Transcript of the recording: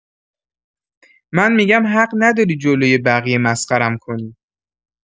من می‌گم حق نداری جلوی بقیه مسخره‌ام کنی.